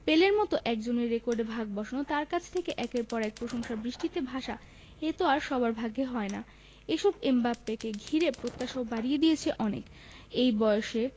পেলের মতো একজনের রেকর্ডে ভাগ বসানো তাঁর কাছ থেকে একের পর এক প্রশংসাবৃষ্টিতে ভাসা এ তো আর সবার ভাগ্যে হয় না এসব এমবাপ্পেকে ঘিরে প্রত্যাশাও বাড়িয়ে দিয়েছে অনেক এই বয়সের